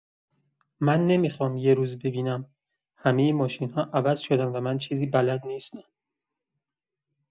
من نمی‌خوام یه روز ببینم همه ماشین‌ها عوض شدن و من چیزی بلد نیستم.